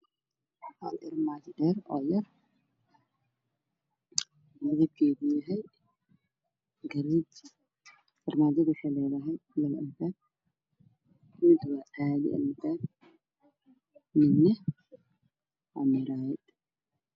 Qalka waxaa yaalo labo boorso mida hore mideb keedu yahay cadaan mida kale qaxwi